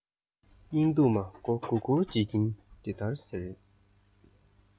སྙིང སྡུག མ མགོ སྒུར སྒུར བྱེད ཀྱིན དེ ལྟར ཟེར